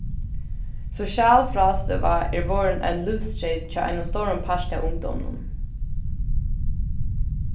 sosialfrástøða er vorðin ein lívstreyt hjá einum stórum parti av ungdóminum